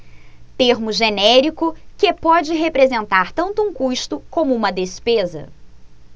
termo genérico que pode representar tanto um custo como uma despesa